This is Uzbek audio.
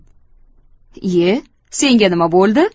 iye senga nima bo'ldi